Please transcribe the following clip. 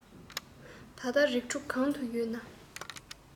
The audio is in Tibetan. ད ལྟ རིགས དྲུག གང དུ ཡོད ན